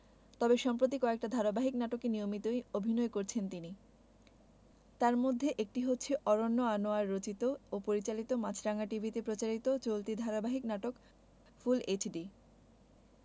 তবে সম্প্রতি কয়েকটি ধারাবাহিক নাটকে নিয়মিতই অভিনয় করছেন তিনি তার মধ্যে একটি হচ্ছে অরন্য আনোয়ার রচিত ও পরিচালিত মাছরাঙা টিভিতে প্রচার চলতি ধারাবাহিক নাটক ফুল এইচডি